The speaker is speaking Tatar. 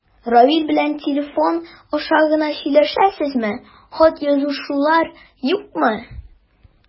Равил белән телефон аша гына сөйләшәсезме, хат язышулар юкмы?